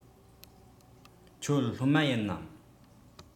ཁྱོད སློབ མ ཡིན ནམ